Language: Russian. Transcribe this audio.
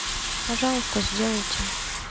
пожалуйста сделайте